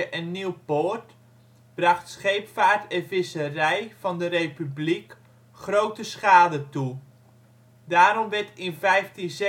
en Nieuwpoort bracht scheepvaart en visserij van de Republiek grote schade toe. Daarom werd in 1587